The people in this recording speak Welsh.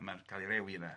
...a mae'n cael ei rewi yna.